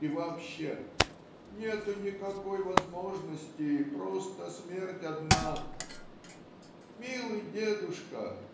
И вообще - "нету никакой возможности, просто смерть одна". "Милый дедушка,